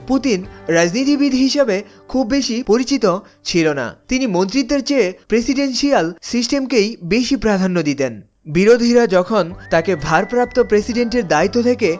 Putin রাজনীতিবিদ হিসেবে খুব বেশি পরিচিত ছিল না তিনি মন্ত্রিত্বের চেয়ে প্রেসিডেনশিয়াল সিস্টেম কে বেশী প্রাধান্য দিতেন বিরোধিতা যখন তাকে ভারপ্রাপ্ত প্রেসিডেন্টের দায়িত্ব থেকে